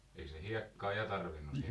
eikös ne hiekkaa ja tarvinnut siinä